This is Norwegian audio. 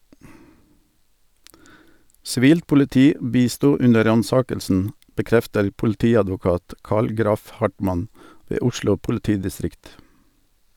Sivilt politi bisto under ransakelsen, bekrefter politiadvokat Carl Graff Hartmann ved Oslo politidistrikt.